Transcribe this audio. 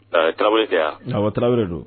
Ɛɛ Tarawele tɛ wa ? Awɔ Tarawele wɛrɛ don.